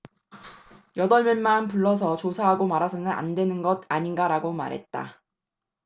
여덟 명만 불러서 조사하고 말아서는 안되는 것 아닌가라고 말했다